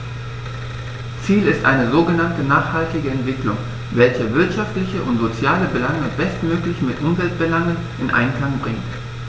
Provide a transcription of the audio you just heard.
Ziel ist eine sogenannte nachhaltige Entwicklung, welche wirtschaftliche und soziale Belange bestmöglich mit Umweltbelangen in Einklang bringt.